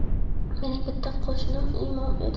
mening bitta qo'shnim imom edi